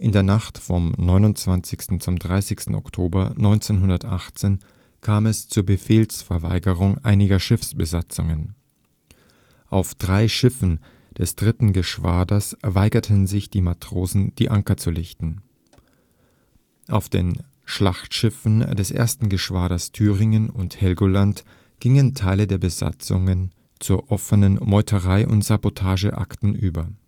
der Nacht vom 29. zum 30. Oktober 1918 kam es zur Befehlsverweigerung einiger Schiffsbesatzungen. Auf drei Schiffen des III. Geschwaders weigerten sich die Matrosen, die Anker zu lichten. Auf den Schlachtschiffen des I. Geschwaders Thüringen und Helgoland gingen Teile der Besatzungen zu offener Meuterei und Sabotageakten über